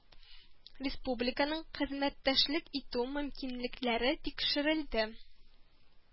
Республиканың хезмәттәшлек итү мөмкинлекләре тикшерелде